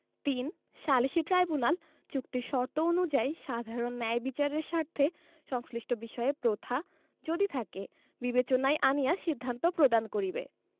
৩ সালিসী ট্রাইব্যুনাল চুক্তির শর্ত অনুযায়ী সাধারণ ন্যায় বিচারের স্বার্থে সংশ্লিষ্ট বিষয়ে প্রথা যদি থাকে বিবেচনায় আনিয়া সিদ্ধান্ত প্রদান করিবে